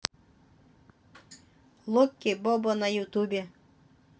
локи бобо на ютубе